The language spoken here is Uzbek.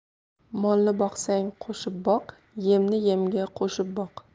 molni boqsang qo'shib boq yemni yemga qo'shib boq